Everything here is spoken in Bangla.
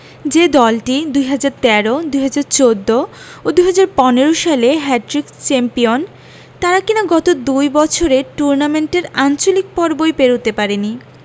যে দলটি ২০১৩ ২০১৪ ও ২০১৫ সালে হ্যাটট্রিক চ্যাম্পিয়ন তারা কিনা গত দুই বছরে টুর্নামেন্টের আঞ্চলিক পর্বই পেরোতে পারেনি